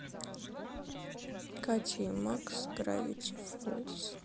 катя и макс гравити фолз